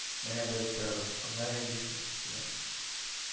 Менә, белеп торыгыз. аннары бишенчесе дә